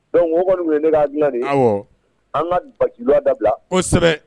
Donc mɔgɔ kɔni ye ne b'a nin an ka bajuguula dabila kosɛbɛ